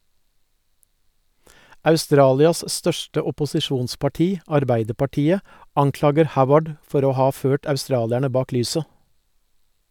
Australias største opposisjonsparti - Arbeiderpartiet - anklager Howard for å ha ført australierne bak lyset.